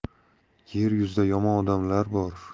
yer yuzida yomon odamlar bor